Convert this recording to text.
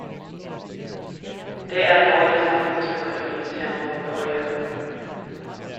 Det er dårlig samfunnsøkonomi, sier Morten Øye.